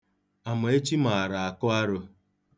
Amaechi maara akụ aro.